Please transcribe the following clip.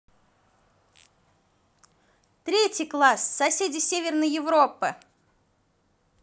третий класс соседи северной европы